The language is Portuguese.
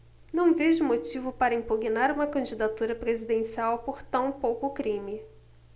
não vejo motivo para impugnar uma candidatura presidencial por tão pouco crime